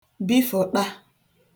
bifụ̀ṭa